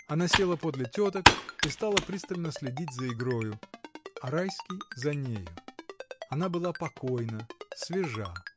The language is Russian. Она села подле теток и стала пристально следить за игрою, а Райский за нею. Она была покойна, свежа.